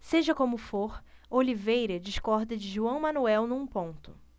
seja como for oliveira discorda de joão manuel num ponto